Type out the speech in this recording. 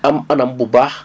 am anam bu baax